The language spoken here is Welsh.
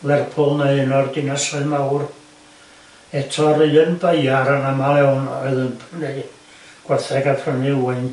Lerpwl neu un o'r dinasoedd mawr eto'r un buyer yn amal iawn oedd yn prynu gwerthaig a prynu wŷn.